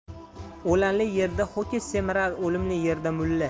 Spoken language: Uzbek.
o'lanli yerda ho'kiz semirar o'limli yerda mulla